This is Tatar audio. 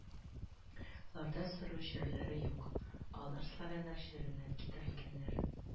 Ларда сөрү җирләре юк, алар славяннар җиреннән китерелгәннәр